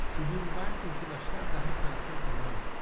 os juros baixos têm sido a chave da recuperação econômica